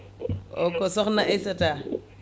o ko sokhna Aissata